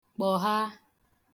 kpọ̀gha